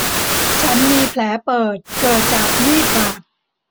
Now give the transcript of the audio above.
ฉันมีแผลเปิดเกิดจากมีดบาด